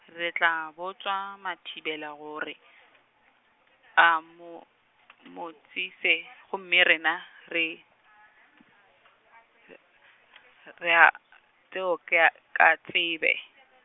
re tla botša Mathibela gore, a mo mmotšiše gomme rena re , r- re a tšeo ka, ka tsebe.